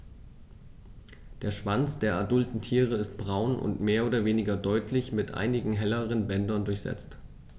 Der Schwanz der adulten Tiere ist braun und mehr oder weniger deutlich mit einigen helleren Bändern durchsetzt.